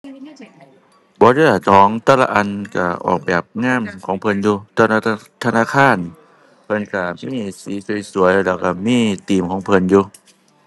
บ่เดะล่ะ แต่ละอันก็ออกแบบงามของเพิ่นอยู่ แต่ละ ทะ ธนาคาร เพิ่นก็สิมีสีสวยสวยแล้วก็มีทีมของเพิ่นอยู่